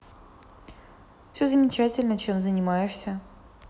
все замечательно чем занимаешься